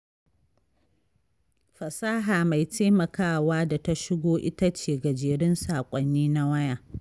Fasaha mai taimakawa da ta shigo ita ce gajerun saƙonni na waya.